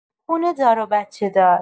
خونه‌دار و بچه‌دار!